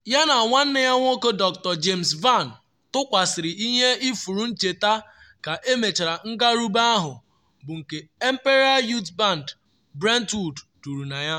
Ya na nwanne ya nwoke Dr James Vann tụkwasara ihe ifuru ncheta ka emechara ngarube ahụ, bụ nke Imperial Youth Band Brentwood duru na ya.